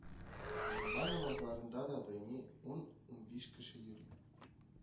Җомга намазларына да даими ун-унбиш кеше йөри